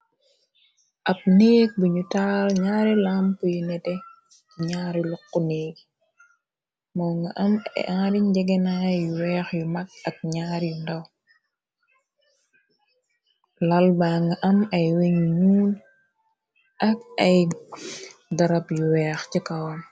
ab néeg buñu taal ñaari lamp yu nete ci ñaari lokqu néegi moo nga am iriñ jegenaay yu weex yu mag ak ñaar yu ndaw lal ba nga am ay weñ u ñuuni ak ay darab yu weex ci kawam